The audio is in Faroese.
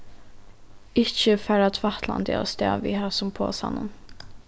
ikki fara tvætlandi avstað við hasum posanum